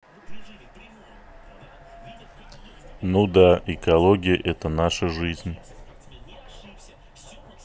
ну да экология это наша жизнь